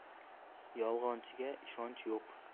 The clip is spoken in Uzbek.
yolg'onchiga ishonch yo'q